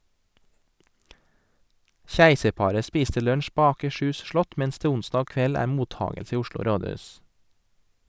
Keiserparet spiste lunsj på Akershus slott, mens det onsdag kveld er mottakelse i Oslo rådhus.